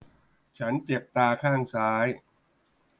ฉันเจ็บตาข้างซ้าย